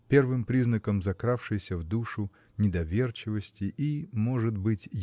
первым признаком закравшейся в душу недоверчивости и может быть